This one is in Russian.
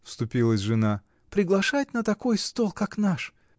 — вступилась жена, — приглашать на такой стол, как наш!